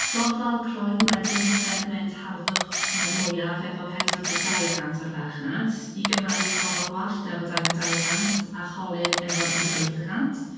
Gofal croen wedyn yw'r segment harddwch, yy, mwyaf efo pedwar deg dau y cant o'r farchnad, i gymharu â gofal gwallt efo dau ddeg dau y cant a cholur efo un deg wyth y cant.